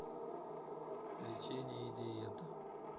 лечение и диета